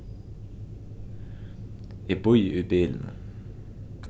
eg bíði í bilinum